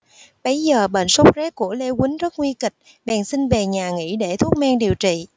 bấy giờ bệnh sốt rét của lê quýnh rất nguy kịch bèn xin về nhà nghỉ để thuốc men điều trị